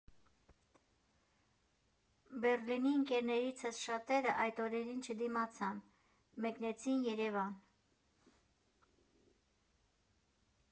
Բեռլինի ընկերներիցս շատերը այդ օրերին չդիմացան, մեկնեցին Երևան։